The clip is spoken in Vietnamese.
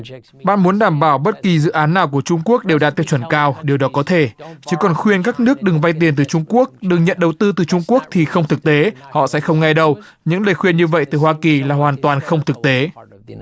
bạn muốn đảm bảo bất kỳ dự án nào của trung quốc đều đạt tiêu chuẩn cao điều đó có thể chứ còn khuyên các nước đừng vay tiền từ trung quốc đừng nhận đầu tư từ trung quốc thì không thực tế họ sẽ không nghe đâu những lời khuyên như vậy từ hoa kỳ là hoàn toàn không thực tế